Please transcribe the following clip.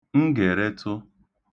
ngèretụ